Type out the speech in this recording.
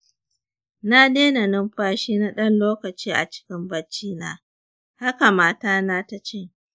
na daina numfashi na ɗan lokaci a cikin bacci na, haka mata na tace.